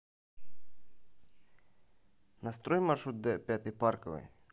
построй маршрут до пятой парковой